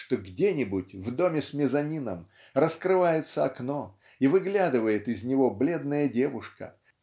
что где-нибудь в доме с мезонином раскрывается окно и выглядывает из него бледная девушка